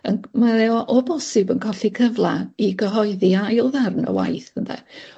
yn- ma' o o bosib yn colli cyfla i gyhoeddi ail ddarn y waith ynde.